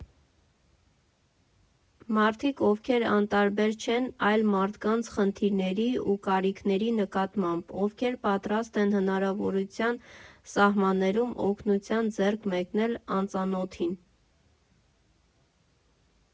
Մարդիկ, ովքեր անտարբեր չեն այլ մարդկանց խնդիրների ու կարիքների նկատմամբ, ովքեր պատրաստ են հնարավորության սահմաններում օգնության ձեռք մեկնել անծանոթին։